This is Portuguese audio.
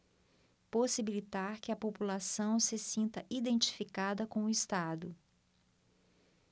possibilitar que a população se sinta identificada com o estado